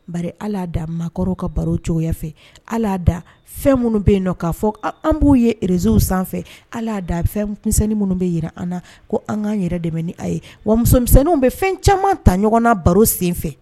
Bari ala a da maakɔrɔw ka baro cogoya fɛ ala a da fɛn minnu be yen nɔ k'a fɔ an an b'u ye réseau u sanfɛ ala a da fɛn m misɛnnin minnu be yira an na ko an ŋ'an yɛrɛ dɛmɛ ni a ye wa musomisɛnninw be fɛn caman ta ɲɔgɔn na baro sen fɛ